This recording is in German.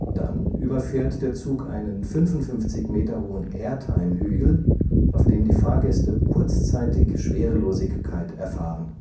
Dann überfährt der Zug einen 55 Meter hohen Airtime-Hügel, auf dem die Fahrgäste kurzzeitig Schwerelosigkeit erfahren